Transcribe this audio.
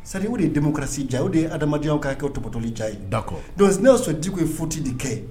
Sa o de denmusomusi jan o de ye ha adamadenyakaw ka'a kɛ to tɔgɔtɔli diya ye dakɔ donc ne y'a sɔn tɛ ye fu de kɛ